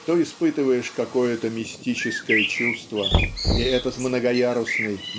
то испытываешь какое-то мистическое чувство и этот многоярусный